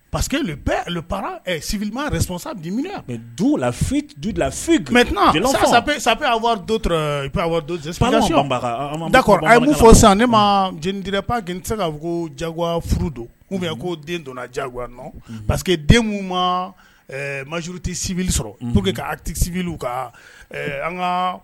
Pa di muso san ne ma jra pa tɛ se k' ko jagowa furu don ko den donna jago nɔ parce que den ma ma zuru tɛ sibi sɔrɔ'o que kati sibi ka an ka